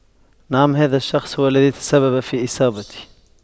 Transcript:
نعم هذا الشخص هو الذي تسبب في إصابتي